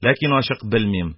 Ләкин ачык белмим,